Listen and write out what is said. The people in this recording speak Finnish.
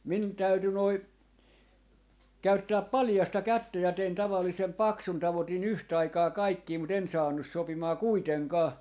minun täytyi noin käyttää paljasta kättä ja tein tavallisen paksun tavoitin yhtaikaa kaikkia mutta en saanut sopimaan kuitenkaan